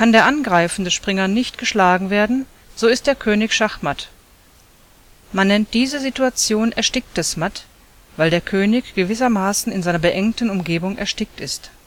der angreifende Springer nicht geschlagen werden, so ist der König schachmatt. Man nennt diese Situation ersticktes Matt, weil der König gewissermaßen in seiner beengten Umgebung erstickt ist